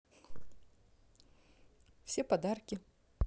все подарки